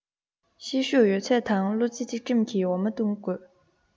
ཤེད ཤུགས ཡོད ཚད དང བློ རྩེ གཅིག སྒྲིམ གྱིས འོ མ བཏུང དགོས